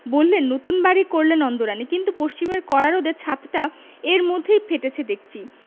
বললেন নতুন বাড়ি করলে নন্দরানী কিন্তু পশ্চিমের কড়া রোদে ছাতটা এর মধ্যেই ফেটেচে দেখচি